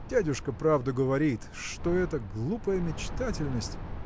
– Дядюшка правду говорит, что эта глупая мечтательность.